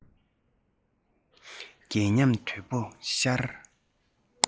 རྒས ཉམས དོད པོ ཤར